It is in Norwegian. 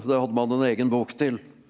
det hadde man en egen bok til.